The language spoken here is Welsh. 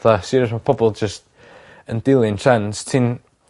Fatha serious ma' pobol jyst yn dilyn trends Ti'n